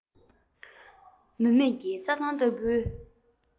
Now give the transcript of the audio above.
མུ མེད ཀྱི རྩྭ ཐང ལྟ བུའི